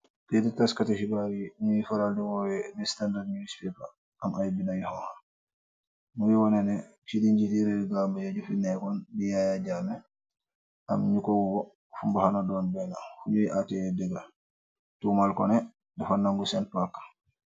Tëede taskateshubar yi, ñuy faral di wooye li standard nuspaper, am ay binayu haw muy wone ne, ci di njiit i rëgaba ya ju pi neekoon di yaaya jarne, am ñu ko woo fumbaxana doon benn, xuñuy ateye dëgra, tuumal kone dafa nangu seen park.